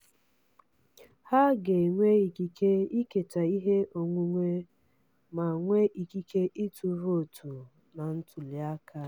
Ha ga-enwe ikike iketa ihe onwunwe ma nwee ikike ịtụ vootu na ntụliaka.